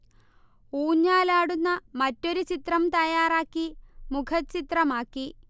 ഊഞ്ഞാൽ ആടുന്ന മറ്റൊരു ചിത്രം തയാറാക്കി മുഖച്ചിത്രമാക്കി